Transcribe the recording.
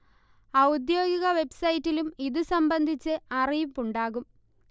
ഔദ്യോഗിക വെബ്സൈറ്റിലും ഇതുസംബന്ധിച്ച് അറിയിപ്പുണ്ടാകും